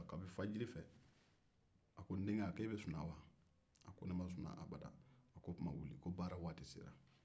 kabi fajiri fɛ a ko n denkɛ e be sunɔgɔ wa